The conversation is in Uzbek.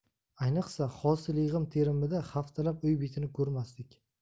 ayniqsa hosil yig'im terimida haftalab uy betini ko'rmasdik